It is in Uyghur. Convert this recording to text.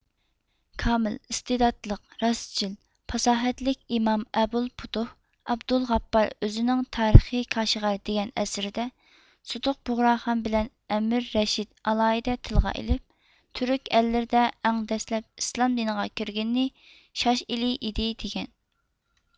كامىل ئىستېداتلىق راستچىل پاساھەتلىك ئىمام ئەبۇل پۇتۇھ ئابدۇل غاپپار ئۆزىنىڭ تارىخى كاشىغەر دېگەن ئەسىرىدە سۇتۇق بۇغراخان بىلەن ئەمىر رەشىد ئالاھىدە تىلغا ئېلىپ تۈرك ئەللىرىدە ئەڭ دەسلەپ ئىسلام دىنىغا كىرگىنى شاش ئېلى ئىدى دېگەن